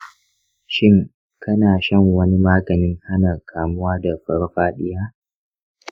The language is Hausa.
shin kana shan wani maganin hana kamuwa da farfaɗiya ?